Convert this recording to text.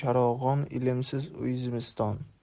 ilmsiz uy zimiston